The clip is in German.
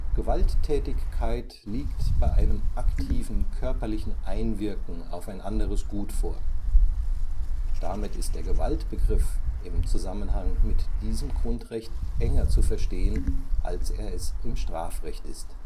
Gewalttätigkeit liegt bei einem aktiven körperlichen Einwirken auf ein anderes Gut vor. Damit ist der Gewaltbegriff im Zusammenhang mit diesem Grundrecht enger zu verstehen, als er es im Strafrecht ist